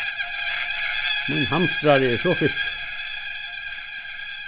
mín hamstrari er so fittur